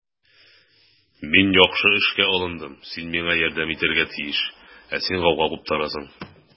Мин яхшы эшкә алындым, син миңа ярдәм итәргә тиеш, ә син гауга куптарасың.